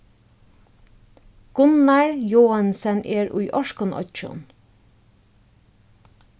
gunnar joensen er í orknoyggjum